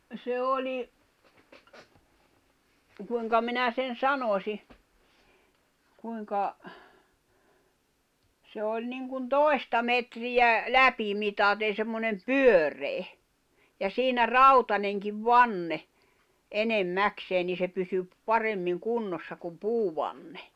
se oli kuinka minä sen sanoisin kuinka se oli niin kuin toista metriä läpimitaten semmoinen pyöreä ja siinä rautainenkin vanne enimmäkseen niin se pysyi paremmin kunnossa kuin puuvanne